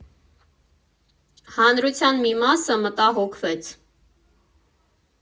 Հանրության մի մասը մտահոգվեց.